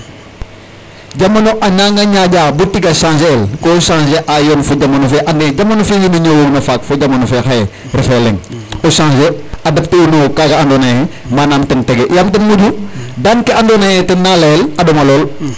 Jamano a nanga ñaƴaa bo tiga changer el ko changer yoon fo jamano fe ande jamano fe wiin we ñoowoogina faak fo jamano fe xaye refe leŋ o changer o adapter u no kaaga andoona yee manaam ten tege yaam ten moƴu daan ke andoona yee ten na layel a ɗoma lool.